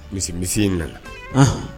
Misi misi in nana, anhan